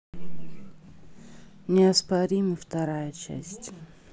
неоспоримый вторая часть